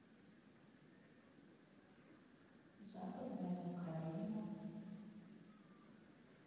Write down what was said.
западная украина